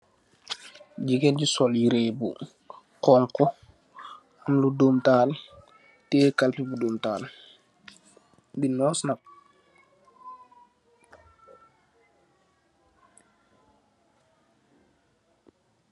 Jigain ju sol yireh bu khonkhu, am lu doam tahal, tiyaih kalpeh bu doam tahal, di noos nak.